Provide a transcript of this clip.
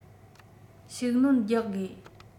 ཤུགས སྣོན རྒྱག དགོས